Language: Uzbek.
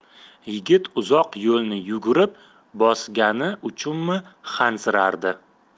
yigit uzoq yo'lni yugurib bosgani uchunmi hansirardi